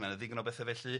Mae yna ddigon o bethe felly.